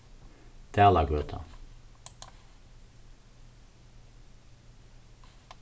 dalagøta